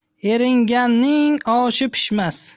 eringanning oshi pishmas